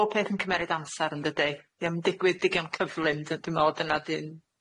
Bob peth yn cymeryd amsar yndydi? 'Di o'm yn digwydd digon cyflym dy- dwi me'wl dyna 'di'n...